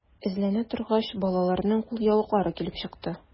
Эзләнә торгач, балаларның кулъяулыклары килеп чыкты.